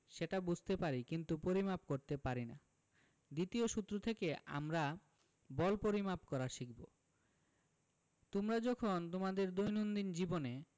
সেটা বুঝতে পারি কিন্তু পরিমাপ করতে পারি না দ্বিতীয় সূত্র থেকে আমরা বল পরিমাপ করা শিখব তোমরা যখন তোমাদের দৈনন্দিন জীবনে